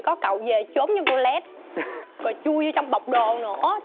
có cậu về trốn trong to lét rồi chui trong bọc đồ nữa